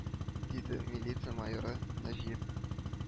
— диде милиция майоры нәҗип